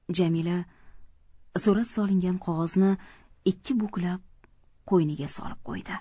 jamila surat solingan qog'ozni ikki buklab qo'yniga solib qo'ydi